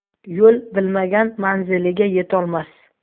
yo'l bilmagan manziliga yetolmas